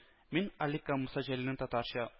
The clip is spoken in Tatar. Мин Аликка Муса Җәлилнең татарча